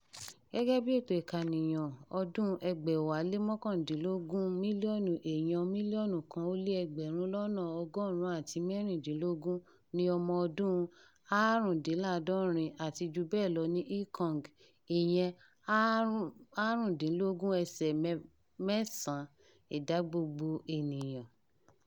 Gẹ́gẹ́ bí ètò ìkànìyàn ọdún-un 2016, mílíọ̀nù èèyàn 1.16 million ni ọmọ ọdún 65 àti jù bẹ́ẹ̀ lọ ní Hong Kong— ìyẹn 15.9 ìdá gbogbo ènìyàn.